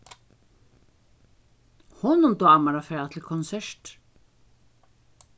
honum dámar at fara til konsertir